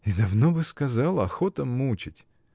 И давно бы сказала: охота мучить!